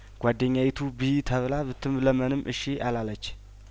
ጓደኛዪቱ ብዪ ተብላ ብትለመንም እሺ አላለች